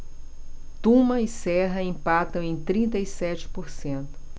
tuma e serra empatam em trinta e sete por cento